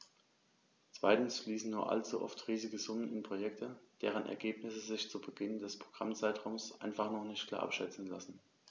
Zweitens fließen nur allzu oft riesige Summen in Projekte, deren Ergebnisse sich zu Beginn des Programmzeitraums einfach noch nicht klar abschätzen lassen.